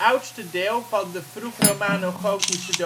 oudste deel van de vroeg romanogotische